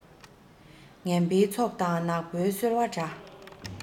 ངན པའི ཚོགས དང ནག པོའི སོལ བ འདྲ